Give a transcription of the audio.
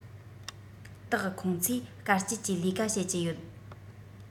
དག ཁོང ཚོས དཀའ སྤྱད ཀྱིས ལས ཀ བྱེད ཀྱི ཡོད